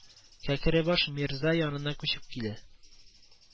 Кәкребаш мирза янына күчеп килә